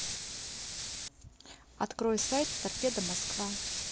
открой сайт торпедо москва